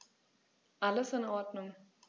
Alles in Ordnung.